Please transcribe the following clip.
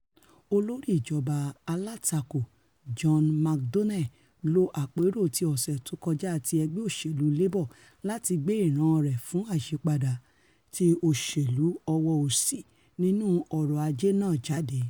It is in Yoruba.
Olórí Ìjọba Alátakò John McDonnell lo àpérò ti ọ̀sẹ̀ tókọjá ti Ẹgbẹ Òṣèlú Labour láti gbé ìran rẹ̀ fún àyipadà ti òṣèlu ọwọ-òsì nínú ọrọ̀-ajé náà jade.